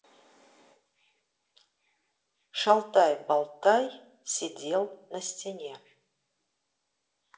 шалтай болтай сидел на стене